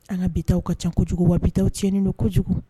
An ka bi ka ca kojugu wa bi cɛnin don kojugu